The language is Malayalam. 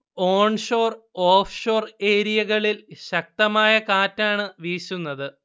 ഓൺഷോർ, ഓഫ്ഷോർ ഏരിയകളിൽ ശക്തമായ കാറ്റാണ് വീശുന്നത്